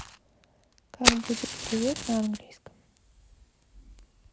как будет привет на английском